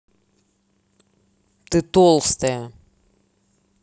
ты толстая